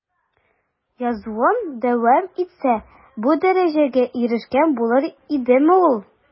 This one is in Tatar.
Язуын дәвам итсә, бу дәрәҗәгә ирешкән булыр идеме ул?